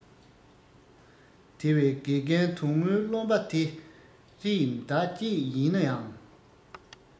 དེ བས དགེ རྒན དུང མོའི བརློན པ དེ རེས ཟླ གཅིག ཡིན ནའང